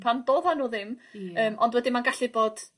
...pan doddan nw ddim... Ia. ...yym ond wedyn ma'n gallu bod